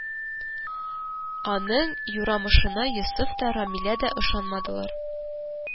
Аның юрамышына йосыф та, рәмилә дә ышанмадылар